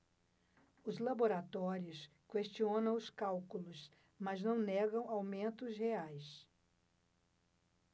os laboratórios questionam os cálculos mas não negam aumentos reais